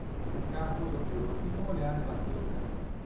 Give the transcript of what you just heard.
o carro rodopiou na pista molhada e bateu no caminhão